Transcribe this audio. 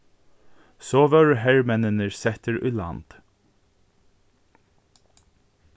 so vórðu hermenninir settir í land